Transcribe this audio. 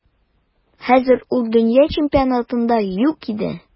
Хәзер ул дөнья чемпионатында юк иде.